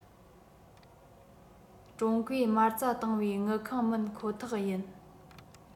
ཀྲུང གོས མ རྩ བཏང བའི དངུལ ཁང མིན ཁོ ཐག ཡིན